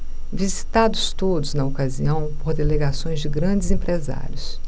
visitados todos na ocasião por delegações de grandes empresários